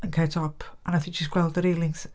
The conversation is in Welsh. ..Yn Cae Top a wnaeth hi jyst gweld y railings.